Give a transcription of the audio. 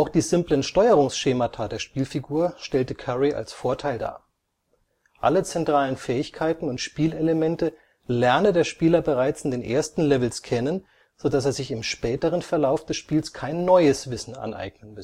die simplen Steuerungsschemata der Spielfigur stellte Curry als Vorteil dar: Alle zentralen Fähigkeiten und Spielelemente lerne der Spieler bereits in den ersten Levels kennen, sodass er sich im späteren Verlauf des Spiels kein neues Wissen aneignen